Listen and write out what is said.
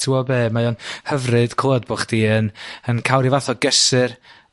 ...t'wo' be' mae o'n hyfryd cywed bo' chdi yn yn ca'l ryw fath o gysur